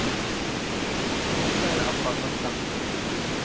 hetta er abbasa skattur